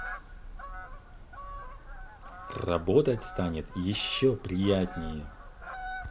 работать станет еще приятнее